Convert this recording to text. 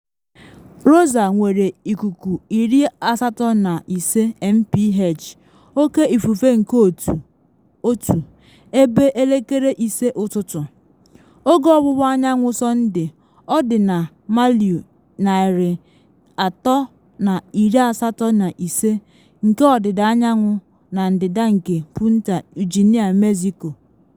Rosa nwere ikuku 85 mph, Oke Ifufe nke Otu 1, ebe 5 ụtụtụ. Oge ọwụwa anyanwụ Sọnde, ọ dị na maịlụ 385 nke ọdịda anyanwụ na ndịda nke Punta Eugenia, Mexico.